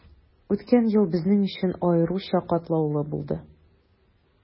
Үткән ел безнең өчен аеруча катлаулы булды.